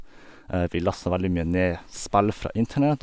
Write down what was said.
Vi lasta veldig mye ned spill fra Internett.